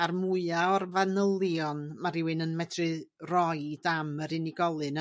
ar mwya o'r fanylion ma' rywun yn medru roid am yr unigolyn